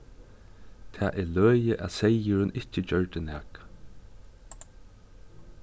tað er løgið at seyðurin ikki gjørdi nakað